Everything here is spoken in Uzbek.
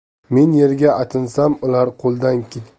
men yerga achinsam ular